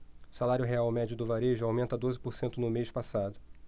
salário real médio do varejo aumenta doze por cento no mês passado